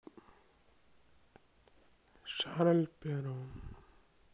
шарль перро